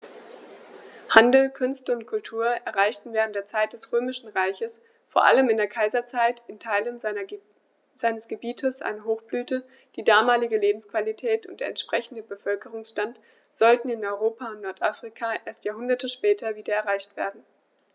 Handel, Künste und Kultur erreichten während der Zeit des Römischen Reiches, vor allem in der Kaiserzeit, in Teilen seines Gebietes eine Hochblüte, die damalige Lebensqualität und der entsprechende Bevölkerungsstand sollten in Europa und Nordafrika erst Jahrhunderte später wieder erreicht werden.